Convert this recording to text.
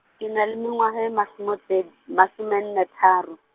ke na le mengwaga ye masome ped-, masome nne tharo.